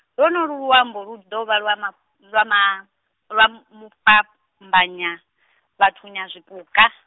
lwonolu luambo lu dovha lwa ma-, lwa maa-, lwa mufhambanyi vhathu nya zwipuka.